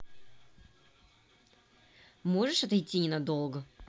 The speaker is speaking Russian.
можешь отойти ненадолго